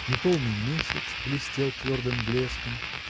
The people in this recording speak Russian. неполный месяц блестел твердым блеском